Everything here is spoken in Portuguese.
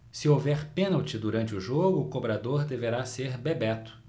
se houver pênalti durante o jogo o cobrador deverá ser bebeto